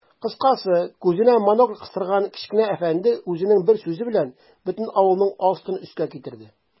Кыскасы, күзенә монокль кыстырган кечкенә әфәнде үзенең бер сүзе белән бөтен авылның астын-өскә китерде.